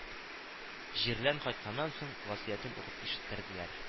Җирләп кайтканнан соң, васыятен укып ишеттерделәр